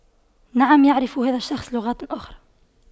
نعم يعرف هذا الشخص لغات أخرى